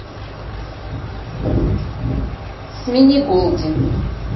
смени голди